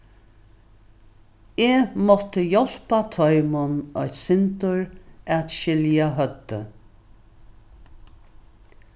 eg mátti hjálpa teimum eitt sindur at skilja høvdið